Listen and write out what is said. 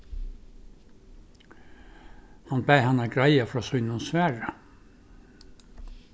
hann bað hana greiða frá sínum svari